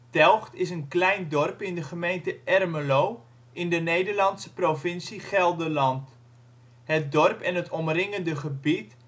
Telgt is een klein dorp in de gemeente Ermelo, in de Nederlandse provincie Gelderland. Het dorp en het omringende gebied